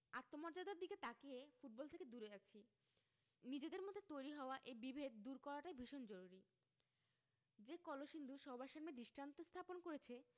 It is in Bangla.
আত্মমর্যাদার দিকে তাকিয়ে ফুটবল থেকে দূরে আছি নিজেদের মধ্যে তৈরি হওয়া এই বিভেদ দূর করাটা ভীষণ জরুরি যে কলসিন্দুর সবার সামনে দৃষ্টান্ত স্থাপন করেছে